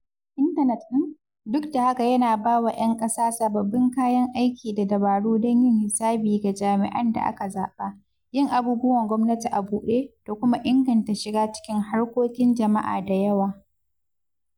Intanet ɗin, duk da haka, yana bawa ‘yan ƙasa sababbin kayan aiki da dabaru don yin hisabi ga jami’an da aka zaɓa, yin abubuwan gwamnati a buɗe, da kuma inganta shiga cikin harkokin jama’a da yawa.